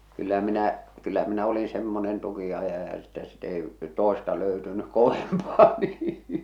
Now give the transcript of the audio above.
kyllä minä kyllä minä olin semmoinen tukinajaja että sitten ei toista löytynyt kovempaa niin